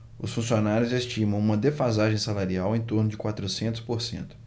os funcionários estimam uma defasagem salarial em torno de quatrocentos por cento